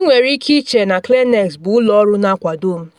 “Ị nwere ike ịche na Kleenex bụ ụlọ ọrụ na akwado m.